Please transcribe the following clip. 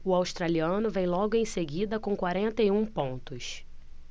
o australiano vem logo em seguida com quarenta e um pontos